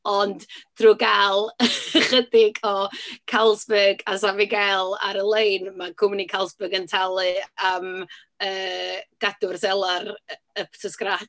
Ond drwy gael chydig o Carlsberg a San Miguel ar y lein, ma' cwmni Carlsberg yn talu am yy gadw'r selar y- up to scratch.